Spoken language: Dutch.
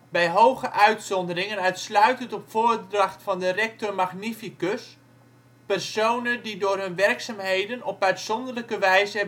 bij hoge uitzondering en uitsluitend op voordracht van de rector magnificus: personen die door hun werkzaamheden op uitzonderlijke wijze